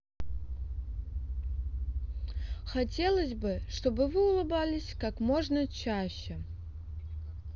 хотелось бы чтобы вы улыбались как можно чаще